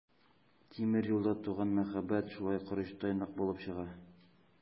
Тимер юлда туган мәхәббәт шулай корычтай нык булып чыга.